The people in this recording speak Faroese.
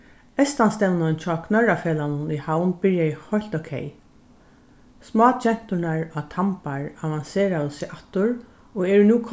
eystanstevnan hjá knørrafelagnum í havn byrjaði heilt ókey smágenturnar á tambar avanseraðu seg aftur og eru nú